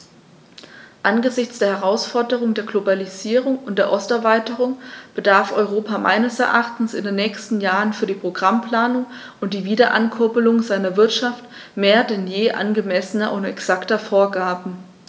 Angesichts der Herausforderung der Globalisierung und der Osterweiterung bedarf Europa meines Erachtens in den nächsten Jahren für die Programmplanung und die Wiederankurbelung seiner Wirtschaft mehr denn je angemessener und exakter Vorgaben.